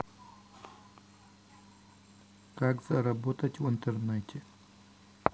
как заработать в интернете